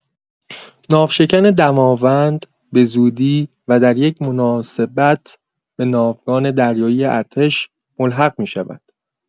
ناوشکن دماوند به‌زودی و در یک مناسبت به ناوگان دریایی ارتش ملحق می‌شود.